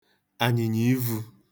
ànyị̀nyà ivū